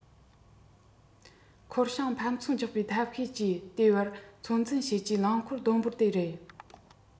འཁོར བྱང ཕམ ཚོང རྒྱག པའི ཐབས ཤེས སྤྱད དེ བར ཚོད འཛིན བྱེད སྤྱད རླངས འཁོར བསྡོམས འབོར དེ རེད